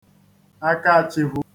Akachīkwū